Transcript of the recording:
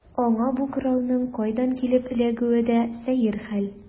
Аңа бу коралның кайдан килеп эләгүе дә сәер хәл.